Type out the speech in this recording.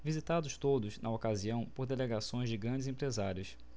visitados todos na ocasião por delegações de grandes empresários